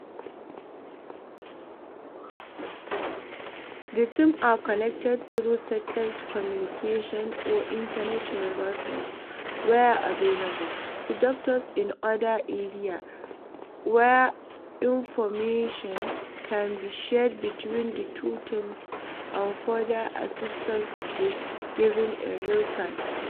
The teams are connected through satellite communications or internet/mobile phones (where available) to doctors in other areas, where information can be shared between the two teams and further assistance be given in real-time.”